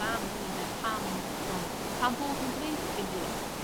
dan hynny 'de pam... Ydan. ...pam bod nw'n gwneud dim byd?